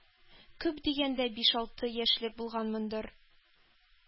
Күп дигәндә биш алты яшьлек булганмындыр.